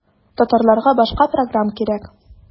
Татарларга башка программ кирәк.